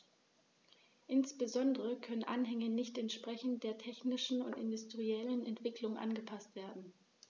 Insbesondere können Anhänge nicht entsprechend der technischen und industriellen Entwicklung angepaßt werden.